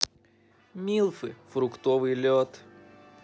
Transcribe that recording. милфы фруктовый лед